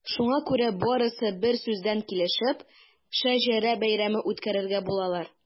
Шуңа күрә барысы берсүздән килешеп “Шәҗәрә бәйрәме” үткәрергә булалар.